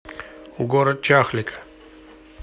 город чахлика